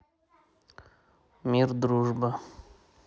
мир дружба